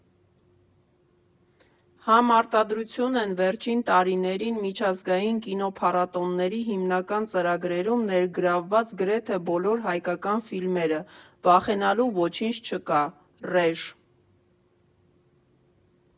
Համարտադրություն են վերջին տարիներին միջազգային կինոփառատոների հիմնական ծրագրերում ներգրավված գրեթե բոլոր հայկական ֆիլմերը՝ «Վախենալու ոչինչ չկա» (ռեժ.